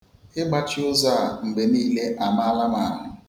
Ịgbachi ụzọ a mgbe niile amaala m ahụ.